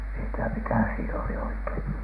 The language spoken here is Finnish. minä en tiedä mikä siinä oli oikein